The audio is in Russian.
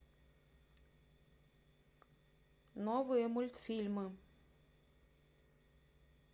новые мультфильмы